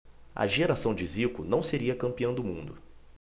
a geração de zico não seria campeã do mundo